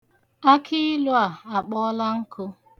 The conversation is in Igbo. Akịilu a akpọọla nku.